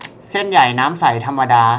เส้นใหญ่น้ำใสธรรมดา